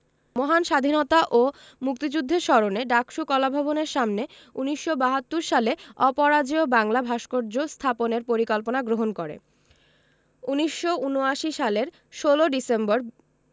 মহান স্বাধীনতা ও মুক্তিযুদ্ধের স্মরণে ডাকসু কলাভবনের সামনে ১৯৭২ সালে অপরাজেয় বাংলা ভাস্কর্য স্থাপনের পরিকল্পনা গ্রহণ করে ১৯৭৯ সালের ১৬ ডিসেম্বর